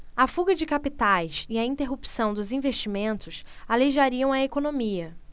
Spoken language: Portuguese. a fuga de capitais e a interrupção dos investimentos aleijariam a economia